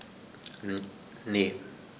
Ne.